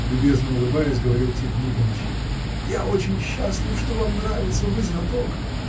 — любезно улыбаясь, говорил Тит Никоныч, — я очень счастлив, что вам нравится, — вы знаток.